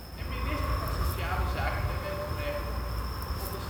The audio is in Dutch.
en minister van Sociale Zaken en Werkgelegenheid onder